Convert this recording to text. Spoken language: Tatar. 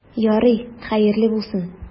Ярый, хәерле булсын.